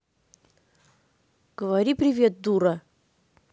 говори привет дура